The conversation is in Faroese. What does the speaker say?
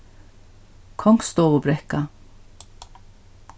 kongsstovubrekka